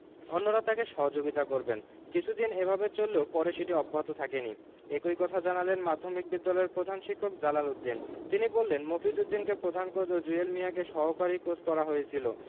অন্যরা তাঁকে সহযোগিতা করবেন কিছুদিন এভাবে চললেও পরে সেটি অব্যাহত থাকেনি একই কথা জানালেন মাধ্যমিক বিদ্যালয়ের প্রধান শিক্ষক জালাল উদ্দিন তিনি বলেন মফিজ উদ্দিনকে প্রধান কোচ ও জুয়েল মিয়াকে সহকারী কোচ করা হয়েছিল